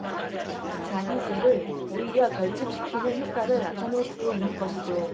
자기 세를 오히려 결집시키는 효과를 나타낼 수도 있는 것이죠